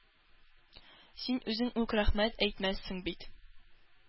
Син үзең үк рәхмәт әйтмәссең бит,